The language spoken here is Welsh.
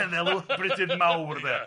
Cynfelw Brydydd Mawr de.